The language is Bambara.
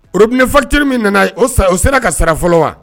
Obiinɛfatiriri min nana o o sera ka sara fɔlɔ wa